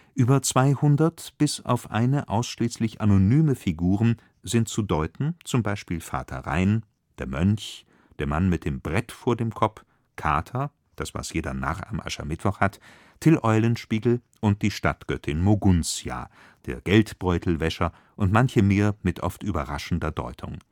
Über 200, bis auf eine ausschließlich anonyme Figuren, sind zu deuten, z. B. Vater Rhein, der Mönch, der Mann mit dem Brett vor dem Kopf, Kater (das, was jeder Narr an Aschermittwoch hat), Till Eulenspiegel und die Stadtgöttin Moguntia, der Geldbeutelwäscher und manche mehr mit oft überraschender Deutung